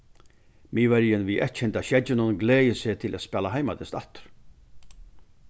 miðverjin við eyðkenda skegginum gleðir seg til at spæla heimadyst aftur